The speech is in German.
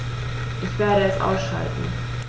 Ich werde es ausschalten